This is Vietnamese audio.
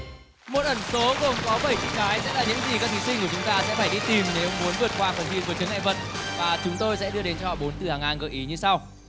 một ẩn số gồm có bảy chữ cái sẽ là những gì các thí sinh của chúng ta sẽ phải đi tìm nếu muốn vượt qua phần thi vượt chướng ngại vật và chúng tôi sẽ đưa đến cho họ bốn từ hàng ngang gợi ý như sau